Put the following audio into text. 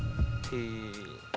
thì